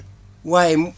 waaye